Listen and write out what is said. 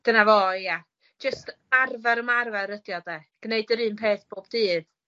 Dyna fo ia. Jyst arfer ymarfer ydi o 'de. Gneud yr un peth bob dydd.